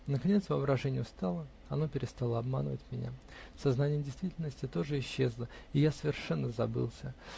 Наконец воображение устало, оно перестало обманывать меня, сознание действительности тоже исчезло, и я совершенно забылся.